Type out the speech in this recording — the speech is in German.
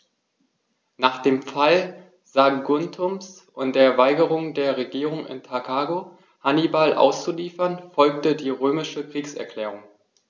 Nach dem Fall Saguntums und der Weigerung der Regierung in Karthago, Hannibal auszuliefern, folgte die römische Kriegserklärung.